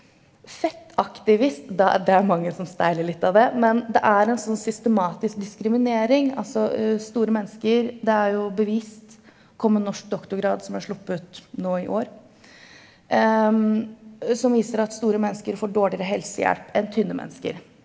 fettaktivist da det er mange som steiler litt av det, men det er en sånn systematisk diskriminering altså store mennesker det er jo bevist kom en norsk doktorgrad som er sluppet nå i år som viser at store mennesker får dårligere helsehjelp enn tynne mennesker.